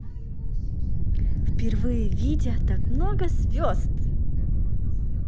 впервые видя так много звезд